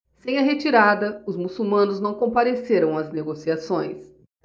sem a retirada os muçulmanos não compareceram às negociações